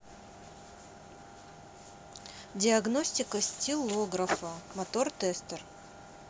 диагностика стилографа мотортестер